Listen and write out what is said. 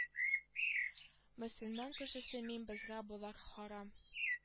Мөселман кешесе мин безгә болар харам